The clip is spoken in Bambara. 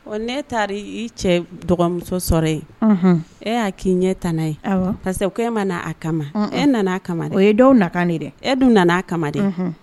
Ne taara i cɛ dɔgɔmuso sɔrɔ ye e y'a k'i ɲɛ t n' ye parce que ko e ma' a kama e nana a kama dɛ o ye denw nakan nin dɛ e dun nana a kama dɛ